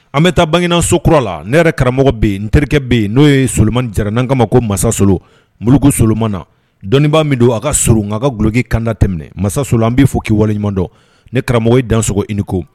An bɛ taa banginaso kura la ne yɛrɛ karamɔgɔ bɛ yen n terikɛ bɛ yen n'o ye so diyara n'an ka ma ko masasolon morikusoma na dɔnniibaa min don a ka solon n kan ka gololoki kanda tɛmɛn masaso an b bɛ fɔ k' waleɲumandɔ ne karamɔgɔ danso i ni ko